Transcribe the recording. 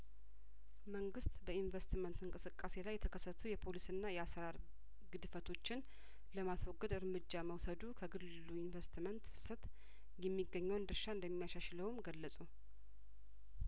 መንግስት በኢንቨስትመንት እንቅስቃሴ ላይየተከሰቱ የፖሊሲና የአሰራር ግድፈቶችን ለማስወገድ ርምጃ መውሰዱ ከግሉ ኢንቨስትመንት ፍሰት የሚገኘውን ድርሻ እንደሚያሻሽለውም ገለጹ